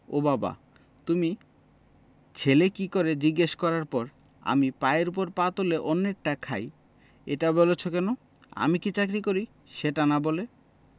ও বাবা তুমি ছেলে কী করে জিজ্ঞেস করার পর আমি পায়ের ওপর পা তুলে অন্যেরটা খাই এটা বলেছ কেন আমি কী চাকরি করি সেটা না বলে